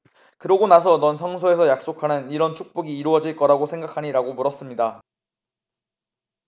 그러고 나서 넌 성서에서 약속하는 이런 축복이 이루어질 거라고 생각하니 라고 물었습니다